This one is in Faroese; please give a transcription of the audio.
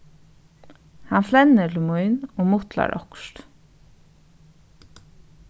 hann flennir til mín og mutlar okkurt